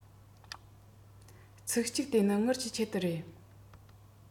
ཚིག གཅིག དེ ནི དངུལ གྱི ཆེད དུ རེད